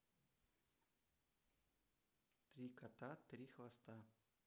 три кота три хвоста